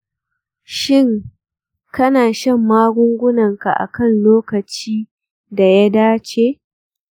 shin kana shan magungunanka a kan lokaci daya dace?